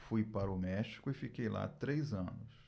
fui para o méxico e fiquei lá três anos